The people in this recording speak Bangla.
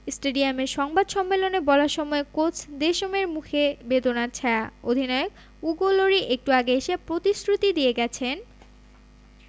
স্টেডিয়ামের সংবাদ সম্মেলনে বলার সময়ও কোচ দেশমের মুখে বেদনার ছায়া অধিনায়ক উগো লরি একটু আগে এসে প্রতিশ্রুতি দিয়ে গেছেন